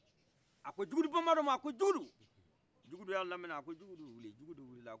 a ko jugudu banbadɔ m' a ko jugudu jugudu ya laminɛ a ko jugudu wili judugu willa